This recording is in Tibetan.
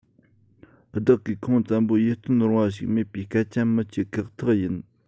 བདག གིས ཁུངས བཙན པོ ཡིད རྟོན རུང བ ཞིག མེད པའི སྐད ཆ མི འཆད ཁག ཐེག ཡིན